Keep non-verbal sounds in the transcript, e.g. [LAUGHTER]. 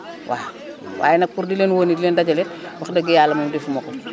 waaw waaye nag pour di leen woo nii di leen dajale wax dëgg yàlla moom [CROSSTALK] defuma ko